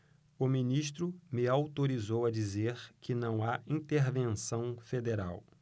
o ministro me autorizou a dizer que não há intervenção federal